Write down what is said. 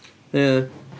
Ia.